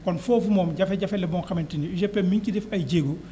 kon foofu moom jafe-jafe la boo xamante ni UGPM mu ngi ciy def ay jéego